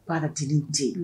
Baarati tɛ